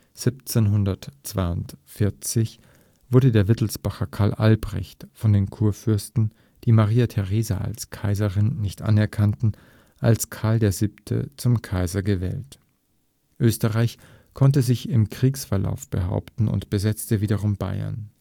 1742 wurde der Wittelsbacher Karl Albrecht von den Kurfürsten, die Maria Theresia als Kaiserin nicht anerkannten, als Karl VII. zum Kaiser gewählt. Österreich konnte sich im Kriegsverlauf behaupten und besetzte wiederum Bayern